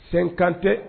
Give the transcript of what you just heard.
Sen kan tɛ